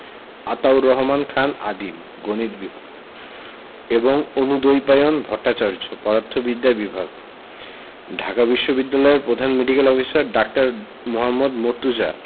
আতাউর রহমান খান আদিম গণিত বিভাগ এবং অনুদ্বৈপায়ন ভট্টাচার্য পদার্থবিদ্যা বিভাগ ঢাকা বিশ্ববিদ্যালয়ের প্রধান মেডিক্যাল অফিসার ডা. মোহাম্মদ মর্তুজা